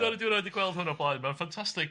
Dwi 'rioed 'di gweld hwn o blaen, ma'n ffantastig.